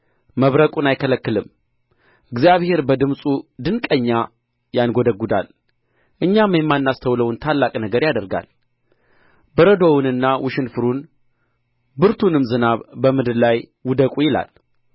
መብረቁን አይከለክልም እግዚአብሔር በድምፁ ድንቅኛ ያንጐደጕዳል እኛም የማናስተውለውን ታላቅ ነገር ያደርጋል በረዶውንና ውሽንፍሩን ብርቱንም ዝናብ በምድር ላይ ውደቁ ይላል